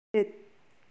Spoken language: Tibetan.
རེད